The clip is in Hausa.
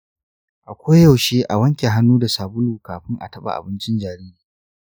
a koyaushe a wanke hannu da sabulu kafin a taɓa abincin jariri.